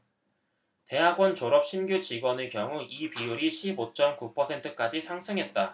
대학원 졸업 신규직원의 경우 이 비율이 십 오 쩜 구 퍼센트까지 상승했다